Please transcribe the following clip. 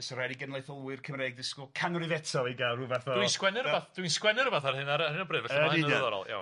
fysa rhaid i genedlaetholwyr Cymreig ddisgwl canrif eto i ga'l ryw fath o... Dwi'n sgwennu rwbath dwi'n sgwennu rwbath ar hynna ar hyn o bryd felly mae hyn yn ddiddorol iawn.